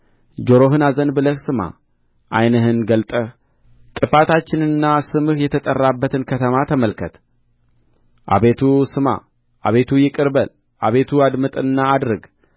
ጆሮህን አዘንብለህ ስማ ዓይንህን ገልጠህ ጥፋታችንና ስምህ የተጠራባትን ከተማ ተመልከት አቤቱ ስማ አቤቱ ይቅር በል አቤቱ አድምጥና አድርግ